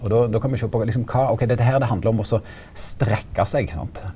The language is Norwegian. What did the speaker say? og då då kan me sjå på liksom kva ok dette her det handlar om også strekka seg ikkje sant.